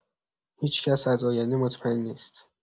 هیچ‌کس از آینده مطمئن نیست.